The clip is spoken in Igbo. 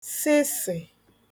sisì